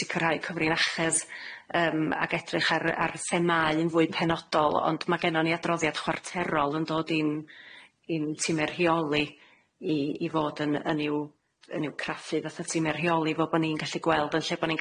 sicrhau cyfrinachedd yym ag edrych ar ar themau'n fwy penodol ond ma' gennon ni adroddiad chwarterol yn dod i'n i'n timme rheoli i i fod yn yn i'w yn iw craffu fatha team i'n rheoli fo bo' ni'n gallu gweld yn lle bo' ni'n